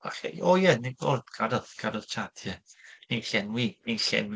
Falle. O, ie, ni o cadw, cadw'r chat, ie. Ni'n llenwi. Ni'n llen-...